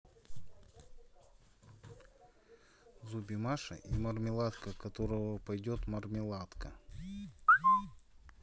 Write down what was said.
zoobe маша и мармеладка которого пойдет мармеладка